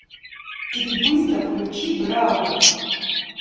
тебе быстро включи браузер